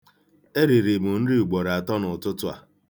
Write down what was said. Eriri m nri ugboro atọ n'ụtụtụ a.